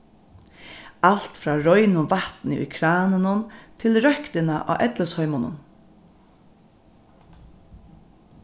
alt frá reinum vatni í kranunum til røktina á ellisheimunum